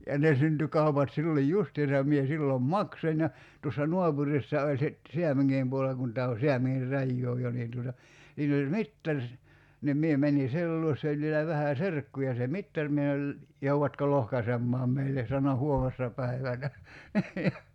ja ne syntyi kaupat silloin justiinsa ja minä silloin maksoin ja tuossa naapurissa oli sitten Säämingin puolella kun tämä on Säämingin rajaa jo niin tuota siinä oli mittari niin minä menin sen luo se oli vielä vähän serkkuja se mittari minä sanoin joudatko lohkaisemaan meille sanoi huomenessa päivänä